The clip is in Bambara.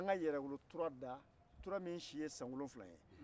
an ka yɛrɛwolo tura da tura min si ye san wolonwula